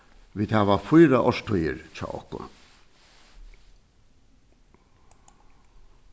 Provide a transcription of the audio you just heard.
vit hava fýra árstíðir hjá okkum